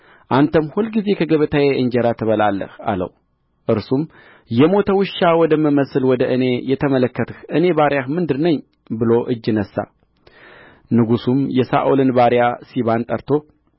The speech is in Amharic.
አንተም ሁልጊዜ ከገበታዬ እንጀራ ትበላለህ አለው እርሱም የሞተ ውሻ ወደምመስል ወደ እኔ የተመለከትህ እኔ ባሪያህ ምንድር ነኝ ብሎ እጅ ነሣ ንጉሡም የሳኦልን ባሪያ ሲባን ጠርቶ